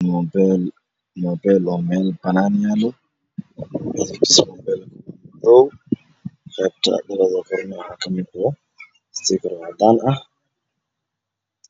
Meebool oo meel banaan yaaloqabta dabada sawir cadaan ah